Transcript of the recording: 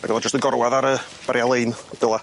Ag o' nw jyst yn gorwadd ar yy baria' lein dyla.